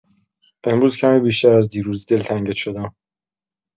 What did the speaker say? امروز کمی بیشتر از دیروز دلتنگت شدم.